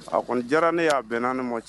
A kɔni diyara ne y'a bɛnna naani ni mɔ cɛ